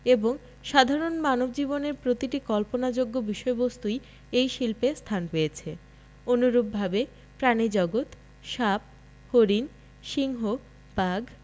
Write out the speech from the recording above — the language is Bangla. এবং সাধারণ মানব জীবনের প্রতিটি কল্পনাযোগ্য বিষয়বস্তুই এই শিল্পে স্থান পেয়েছে অনুরূপভাবে প্রাণীজগৎ সাপ হরিণ সিংহ বাঘ